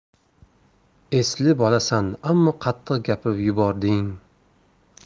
esli bolasan ammo qattiq gapirib yubording